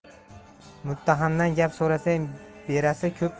muttahamdan gap so'rasang berasi ko'p